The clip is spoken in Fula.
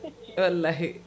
wallahi